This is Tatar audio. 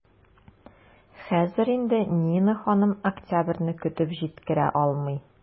Хәзер инде Нина ханым октябрьне көтеп җиткерә алмый.